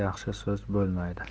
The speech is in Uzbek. yaxshi so'z bo'lmaydi